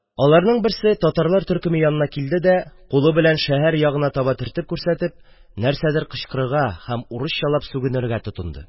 Аларның берсе татарлар төркеме янына килде дә, кулы белән шәһәр ягына таба төртеп күрсәтеп, нәрсәдер кычкырырга һәм урысчалап сүгенергә тотынды.